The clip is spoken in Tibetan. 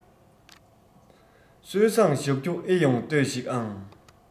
སྲོལ བཟང གཞག རྒྱུ ཨེ ཡོང ལྟོས ཤིག ཨང